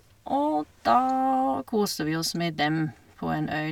Og da koste vi oss med dem på en øy.